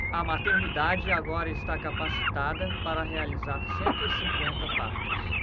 a maternidade agora está capacitada para realizar cento e cinquenta partos